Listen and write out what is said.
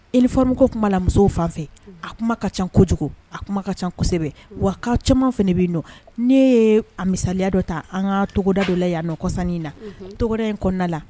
Fam ko tun b' la musow fan fɛ a kuma ka ca kojugu a kuma ka ca kosɛbɛ wa ka caman fana bɛ yen don n ye a misaliya dɔ ta an ka toda dɔ la yan a nɔ kɔsan in na toda in kɔnɔna la